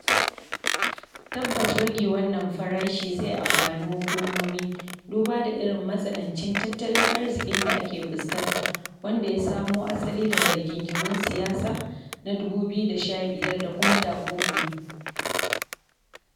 Tabbas rage wannan farashin zai amfani hukumomi, duba da irin matsanancin tattalin arzikin da ake fuskanta, wanda ya samo asali daga rigingimun siyasa na 2015 da kuma takunkumi.